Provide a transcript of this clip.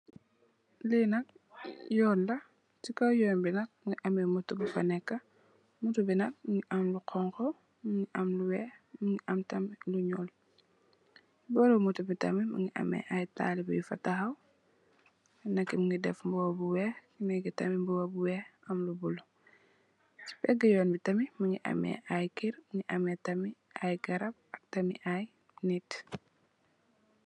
Lii nak yoon la, ci kow yoon wi nak, am na motto bu fa neeka, motto bi nak mu ngi am lu xoñxu, mu ngi am lu weex am tam lu ñuul. Boori motto bi tam mu ngi am ay taalube, ku nekka mu ngi def mbuba bu weex,...am lu bulo, peegë yoon bi tam, mu ngi am, ay kér, ñu ngi am tamit ay garab, am ay nit.